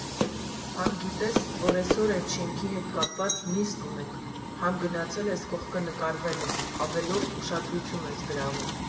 Համ գիտես, որ էսօր էտ շենքի հետ կապված նիստ ունենք, համ գնացել կողքը նկարվել ես, ավելորդ ուշադրություն ես գրավում…